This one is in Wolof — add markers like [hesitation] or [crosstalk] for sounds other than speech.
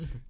[hesitation] [hesitation]